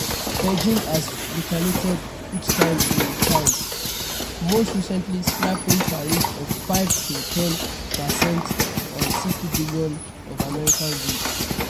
Beijing has retaliated each time in kind, most recently slapping tariffs of five to ten per cent on $60 billion of American goods.